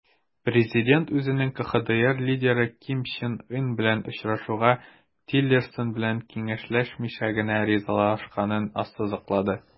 Президент үзенең КХДР лидеры Ким Чен Ын белән очрашуга Тиллерсон белән киңәшләшмичә генә ризалашканын ассызыклады.